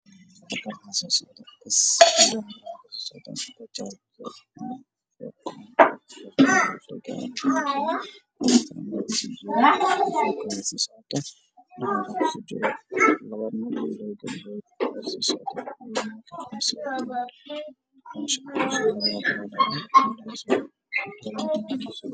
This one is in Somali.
Meeshaan waa meel waddo ah baas ayaa maraayo